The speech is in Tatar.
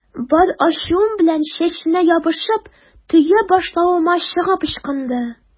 Бар ачуым белән чәченә ябышып, төя башлавыма чыгып ычкынды.